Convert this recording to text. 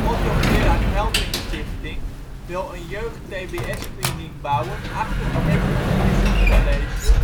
Ottho Gerhard Heldringstichting wil een jeugd-tbs-kliniek bouwen achter het Hendrik Pierson College,